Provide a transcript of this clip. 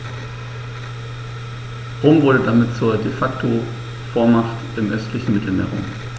Rom wurde damit zur ‚De-Facto-Vormacht‘ im östlichen Mittelmeerraum.